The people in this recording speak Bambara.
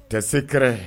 Tes secrets